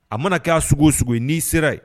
A mana k'a sogo o cogo ye n'i sera yen